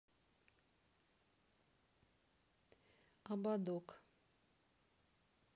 ободок